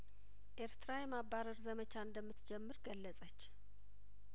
ኤርትራ የማባረር ዘመቻ እንደምት ጀምር ገለጸች